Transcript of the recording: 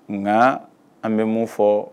Nka an bɛ mun fɔ